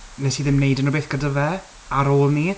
Wnes i ddim wneud unrhyw beth gyda fe ar ôl 'ny.